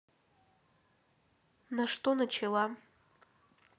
на что начала